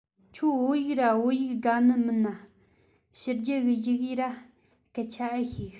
ཁྱོད བོད ཡིག ར བོད སྐད དགའ ནི མིན ནས ཕྱི རྒྱལ གི ཡི གེ ར སྐད ཆ ཨེ ཤེས གི